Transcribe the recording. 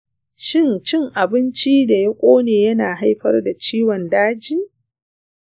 shin cin abincin da ya ƙone yana haifar da ciwon daji?